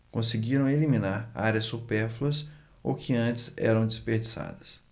conseguiram eliminar áreas supérfluas ou que antes eram desperdiçadas